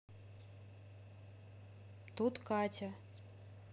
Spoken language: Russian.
тут катя